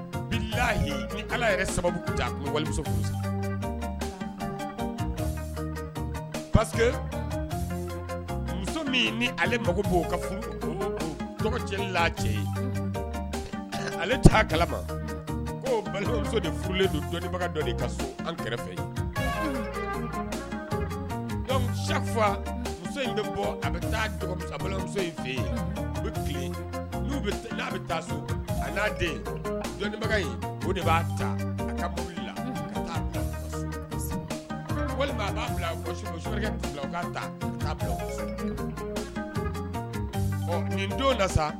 Muso mako bɔ bɛ taamuso fɛ bɛ de b' ta la walima